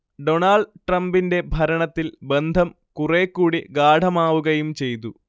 Donald ട്രംപിന്റെ ഭരണത്തിൽ ബന്ധം കുറേക്കൂടി ഗാഢമാവുകയും ചെയ്തു